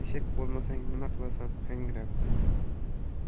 eshak bo'lmasang nima qilasan hangrab